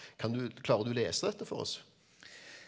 kan du klarer du lese dette for oss?